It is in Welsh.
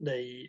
neu